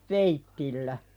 veitsillä